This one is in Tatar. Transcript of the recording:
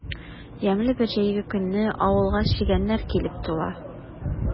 Ямьле бер җәйге көнне авылга чегәннәр килеп тула.